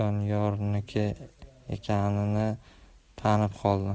doniyorniki ekanini tanib qoldim